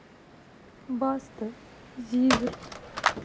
баста зиверт